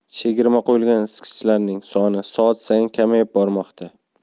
chegirma qo'yilgan isitgichlarning soni soat sayin kamayib bormoqda